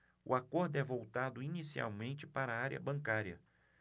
o acordo é voltado inicialmente para a área bancária